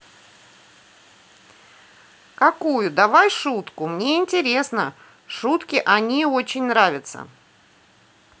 какую давай шутку мне интересно шутки они очень нравятся